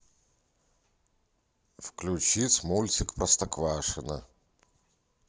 включить мультик простоквашино